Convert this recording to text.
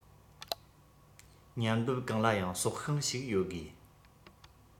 མཉམ སྡེབ གང ལ ཡང སྲོག ཤིང ཞིག ཡོད དགོས